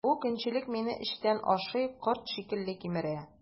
Бу көнчелек мине эчтән ашый, корт шикелле кимерә.